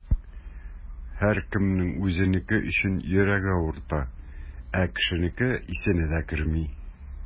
Һәркемнең үзенеке өчен йөрәге авырта, ә кешенеке исенә дә керми.